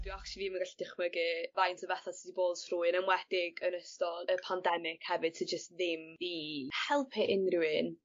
Dwi actually ddim yn gallu dychmygu faint o betha ti 'di bod trwy yn enwedig yn ystod y pandemic hefyd sy jyst ddim 'di helpu unryw un